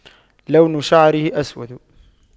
لون شعره أسود